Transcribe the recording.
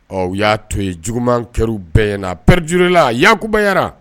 Ɔ y'a to ye jugumankɛ bɛɛy na prijla yankubayana